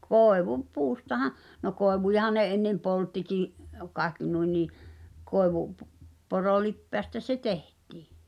- koivupuustahan no koivujahan ne ennen polttikin kaikki noin niin -- koivunporolipeästä se tehtiin